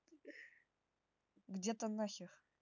где то нахер